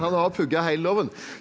han har jo pugga hele loven.